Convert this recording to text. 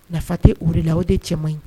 Nafa tɛ o de la o tɛ cɛman ɲi